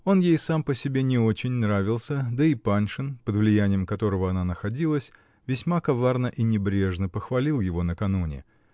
Он ей сам по себе не очень нравился, да и Паншин, под влиянием которого она находилась, весьма коварно и небрежно похвалил его накануне.